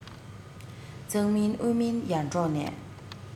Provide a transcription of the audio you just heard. གཙང མིན དབུས མིན ཡར འབྲོག ནས